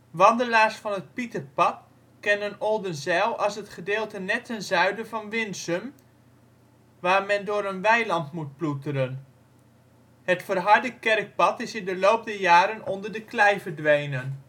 Wandelaars van het Pieterpad kennen Oldenzijl als het gedeelte net ten zuiden van Winsum, waar men door een weiland moet ploeteren. Het verharde kerkpad is in de loop der jaren onder de klei verdwenen